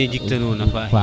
ne jeg ta nona faxe